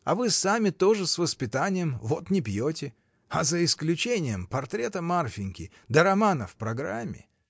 А вы сами тоже с воспитанием — вот не пьете: а за исключением портрета Марфиньки да романа в программе.